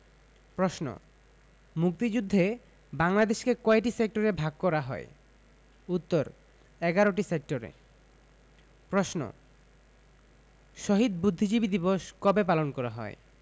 প্রশ্ন মুক্তিযুদ্ধে বাংলাদেশকে কয়টি সেক্টরে ভাগ করা হয় উত্তর ১১টি সেক্টরে প্রশ্ন শহীদ বুদ্ধিজীবী দিবস কবে পালন করা হয়